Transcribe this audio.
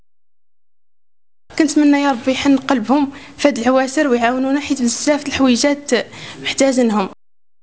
منير فيحان قلبهم فدعوا سريع ونحيف في الحويجه محتاجه